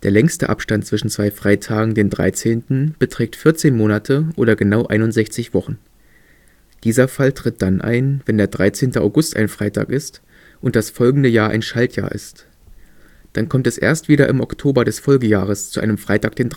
längste Abstand zwischen zwei Freitagen den 13. beträgt 14 Monate oder genau 61 Wochen. Dieser Fall tritt dann ein, wenn der 13. August ein Freitag ist, und das folgende Jahr ein Schaltjahr ist. Dann kommt es erst wieder im Oktober des Folgejahres zu einem Freitag den